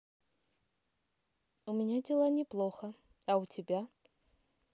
у меня дела не плохо а у тебя